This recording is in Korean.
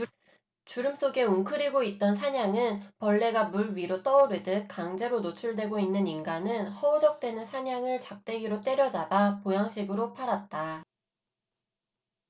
주름 속에 웅크리고 있던 산양은 벌레가 물위로 떠오르듯 강제로 노출되고 인간은 허우적대는 산양을 작대기로 때려잡아 보양식으로 팔았다